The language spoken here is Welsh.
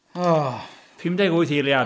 O!... Pum deg wyth eiliad.